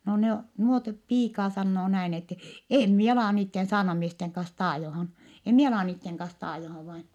no ne - nuo piikaa sanoo näin että en minä ala niiden saarnamiesten kanssa taajomaan en minä ala niiden kanssa taajomaan vain